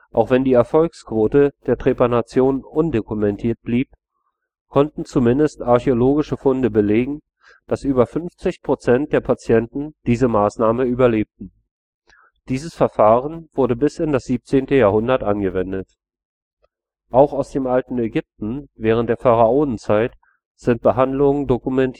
Auch wenn die Erfolgsquote der Trepanation undokumentiert blieb, konnten zumindest archäologische Funde belegen, dass über 50 % der Patienten diese Maßnahme überlebten. Dieses Verfahren wurde bis in das 17. Jahrhundert angewendet. Auch aus dem Alten Ägypten während der Pharaonenzeit sind Behandlungsmethoden